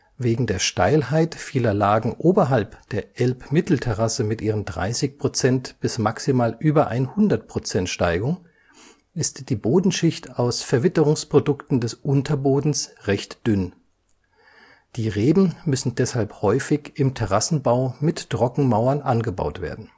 Wegen der Steilheit vieler Lagen oberhalb der Elbmittelterrasse mit ihren 30 % bis maximal über 100 % Steigung ist die Bodenschicht aus Verwitterungsprodukten des Unterbodens recht dünn. Die Reben müssen deshalb häufig im Terrassenbau mit Trockenmauern angebaut werden